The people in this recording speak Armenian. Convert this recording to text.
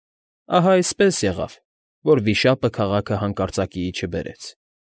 Ահա այսպես եղավ, որ վիշապը քաղաքը հանկարծակիի չբերեց։